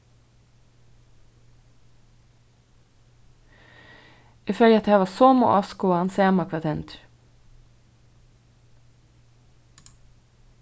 eg fari at hava somu áskoðan sama hvat hendir